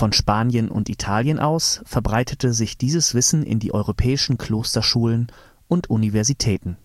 Spanien und Italien aus verbreitete sich dieses Wissen in die europäischen Klosterschulen und Universitäten